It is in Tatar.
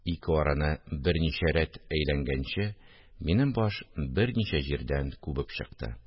Ике араны берничә рәт әйләнгәнче, минем баш берничә җирдән күбеп чыкты